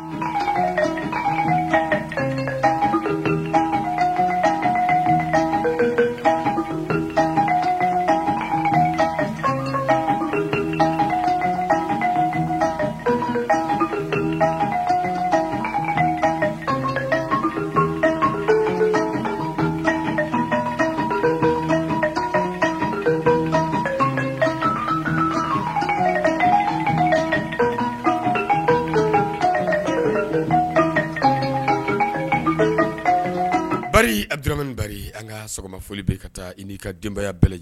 Dumini ba an ka sɔgɔma foli bɛ ka taa i ka denbaya bɛɛ